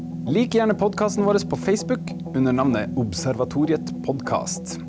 lik gjerne podkasten vår på Facebook under navnet Observatoriet podkast!